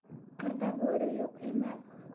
qirda bo'ri yo'q emas